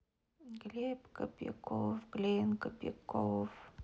глен кобяков глен кобяков